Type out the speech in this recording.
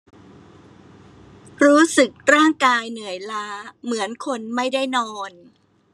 รู้สึกร่างกายเหนื่อยล้าเหมือนคนไม่ได้นอน